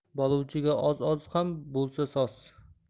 bo'luvchiga oz oz ham bo'lsa soz